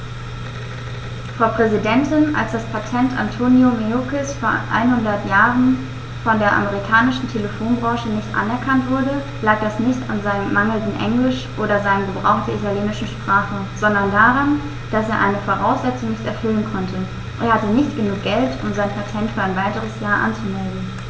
Frau Präsidentin, als das Patent Antonio Meuccis vor einhundert Jahren von der amerikanischen Telefonbranche nicht anerkannt wurde, lag das nicht an seinem mangelnden Englisch oder seinem Gebrauch der italienischen Sprache, sondern daran, dass er eine Voraussetzung nicht erfüllen konnte: Er hatte nicht genug Geld, um sein Patent für ein weiteres Jahr anzumelden.